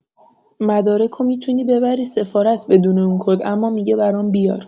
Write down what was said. مدارکو می‌تونی ببری سفارت بدون اون کد اما می‌گه برام بیار